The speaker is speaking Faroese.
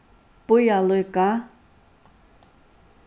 bíða líka